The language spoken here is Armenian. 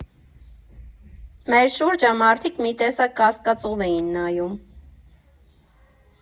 Մեր շուրջը մարդիկ մի տեսակ կասկածով էին նայում։